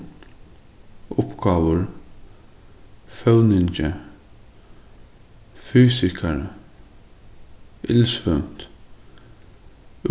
uppgávur føvningi fysikara illsvøvnt